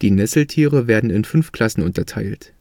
Nesseltiere werden in fünf Klassen unterteilt